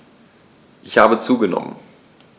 Ich habe zugenommen.